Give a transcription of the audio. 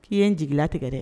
K'i ye n jigilatigɛ dɛ